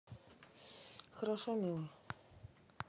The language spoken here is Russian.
хорошо милый